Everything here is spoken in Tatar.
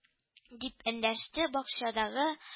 —дип эндәште бакчадагы